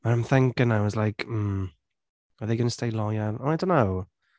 And I’m thinking, I was like "hmm are they going to stay loyal? Oh, I don’t know."